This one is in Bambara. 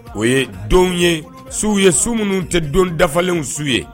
O ye denw ye su ye su minnu tɛ don dafalenw su ye